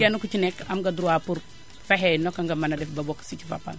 kenn ku ci nekk am nga droit pour fexe naka nga mën na def ba bokk si ci Fapal